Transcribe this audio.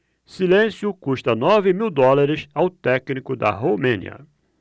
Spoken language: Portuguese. silêncio custa nove mil dólares ao técnico da romênia